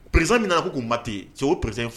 Président bɛna ko k'u mate au président